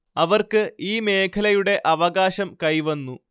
അവർക്ക് ഈ മേഖലയുടെ അവകാശം കൈവന്നു